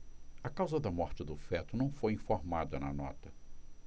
a causa da morte do feto não foi informada na nota